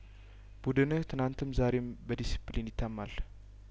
ቡድንህ ትናንትም ዛሬም በዲሲፕሊን ይታማል